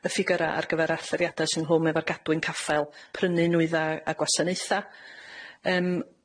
y ffigyra ar gyfar allyriada sy ynglwm â'r gadwyn caffael, prynu nwyddau a gwasanaetha. Yym.